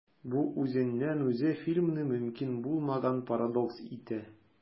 Бу үзеннән-үзе фильмны мөмкин булмаган парадокс итә.